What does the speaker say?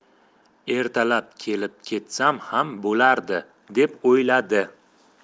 ertalab kelib ketsam ham bo'lardi deb o'yladi